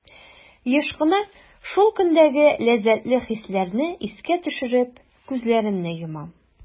Еш кына шул көндәге ләззәтле хисләрне искә төшереп, күзләремне йомам.